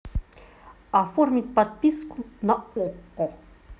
оформить подписку на окко